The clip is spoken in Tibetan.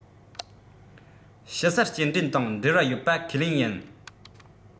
དཔྱིད གསར སྐྱེལ འདྲེན དང འབྲེལ བ ཡོད པ ཁས ལེན ཡིན